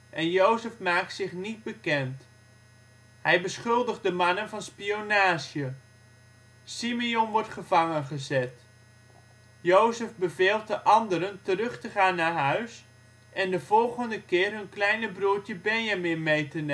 en Jozef maakt zich niet bekend. Hij beschuldigt de mannen van spionage. Simeon wordt gevangengezet. Jozef beveelt de anderen terug te gaan naar huis en de volgende keer hun kleine broertje Benjamin mee te